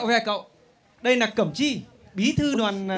hai cậu đây là cẩm chi bí thư đoàn